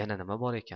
yana nima bor ekan